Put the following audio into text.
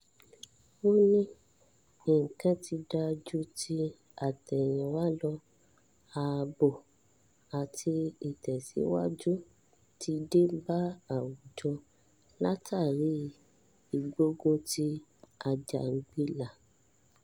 Ó ní, ”Nǹkan ti da ju ti àtẹ̀yínwa lọ. Àbò àti ìtẹ̀síwájú ti dé bá àwùjọ látàrí ìgbógunti àjàngbilà.”